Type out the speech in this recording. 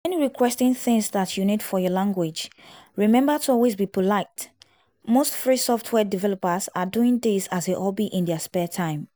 When requesting things that you need for your language, remember to always be polite — most free software developers are doing this as a hobby in their spare time.